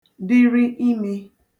dịrị imē